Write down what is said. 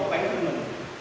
này